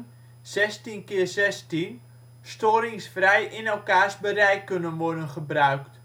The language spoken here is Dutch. storingsvrij in elkaars bereik kunnen worden gebruikt. Tot 16 apparaten